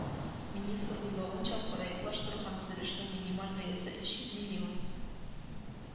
Министр уйлавынча, проектлаштыру һәм төзелешнең минималь бәясе өч йөз миллион